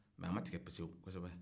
mɛ a ma tigɛ kɔsɛbɛ